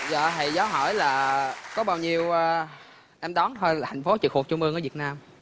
dạ thầy giáo hỏi là có bao nhiêu a em đoán thôi là thành phố trực thuộc trung ương ở việt nam